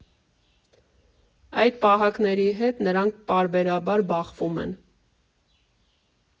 Այդ պահակների հետ նրանք պարբերաբար բախվում են։